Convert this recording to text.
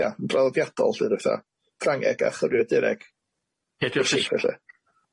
ia yn draddodiadol lly r'w' 'tha Ffrangeg a Cyriadureg,